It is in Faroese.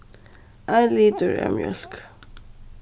ein litur av mjólk